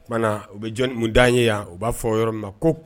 O tuma na u bɛ jɔn mun d'an ye yan u b'a fɔ yɔrɔ min ma ko